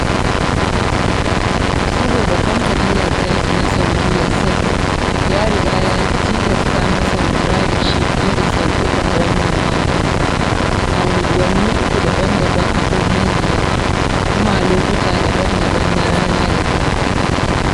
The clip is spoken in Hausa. Saboda Kamfanin Lantarki na Saudiyya (SEC) ya riga ya tilasta masa lura da shi fiye da sau uku wannan makon, a unguwanni uku daban-daban a birnin Riyadh, kuma a lokuta daban-daban na rana da dare.